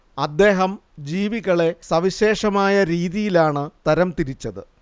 അദ്ദേഹം ജീവികളെ സവിശേഷമായ രീതിയിലാണു തരം തിരിച്ചത്